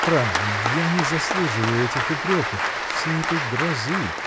Право, я не заслуживаю этих упреков, всей этой грозы.